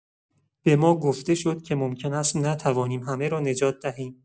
به ما گفته شد که ممکن است نتوانیم همه را نجات دهیم.